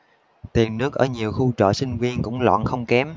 tiền nước ở nhiều khu trọ sinh viên cũng loạn không kém